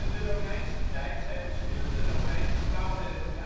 Romeinse tijd zijn verschillende Romeinse bouwwerken